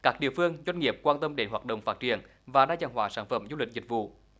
các địa phương doanh nghiệp quan tâm đến hoạt động phát triển và đa dạng hóa sản phẩm du lịch dịch vụ